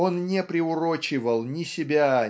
Он не приурочивал ни себя